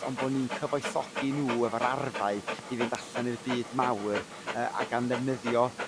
on' bo' ni'n cyfoethogi nhw efo'r arfau i fynd allan i'r byd mawr yrr ag am ddefnyddio